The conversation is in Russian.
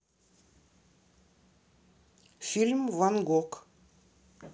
фильм ван гог